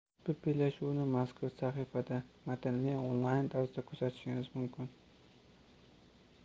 ushbu bellashuvni mazkur sahifada matnli onlayn tarzida kuzatishingiz mumkin